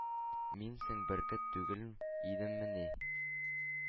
Мин соң бөркет түгел идеммени,